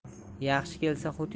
yaxshi kelsa hut